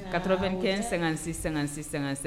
Katɔfɛn kɛ san- sanga- sangasɛ